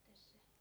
tässä